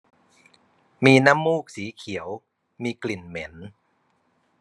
มีน้ำมูกสีเขียวมีกลิ่นเหม็น